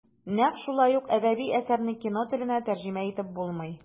Нәкъ шулай ук әдәби әсәрне кино теленә тәрҗемә итеп булмый.